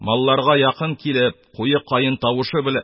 Малларга якын килеп, куе калын тавышы белән: